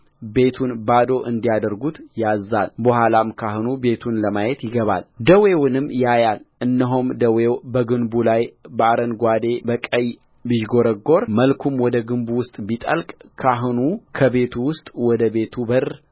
ቤቱን ባዶ እንዲያደርጉት ያዝዛል በኋላም ካህኑ ቤቱን ለማየት ይገባልደዌውንም ያያል እነሆም ደዌው በግንቡ ላይ በአረንጓዴና በቀይ ቢዥጐረጐር መልኩም ወደ ግንቡ ውስጥ ቢጠልቅካህኑ ከቤቱ ውስጥ ወደ ቤቱ በር